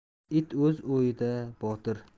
it o'z uyida botir